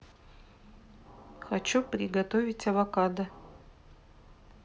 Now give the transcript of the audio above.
хочу приготовить авокадо